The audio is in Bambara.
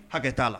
Hakɛ t'a la